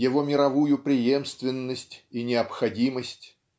его мировую преемственность и необходимость